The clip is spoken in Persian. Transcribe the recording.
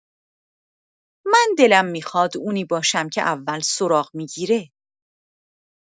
من دلم می‌خواد اونی باشم که اول سراغ می‌گیره.